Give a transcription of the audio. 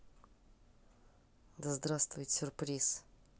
да здравствует сюрприз